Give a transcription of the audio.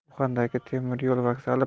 uxandagi temiryo'l vokzali